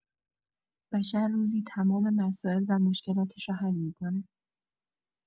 بشر روزی تمام مسائل و مشکلاتشو حل می‌کنه